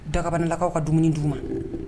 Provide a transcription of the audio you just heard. Dagabalikaw ka dumuni d' u ma